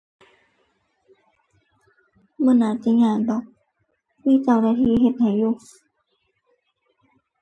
บ่น่าจะยากดอก มีเจ้าหน้าที่เฮ็ดให้อยู่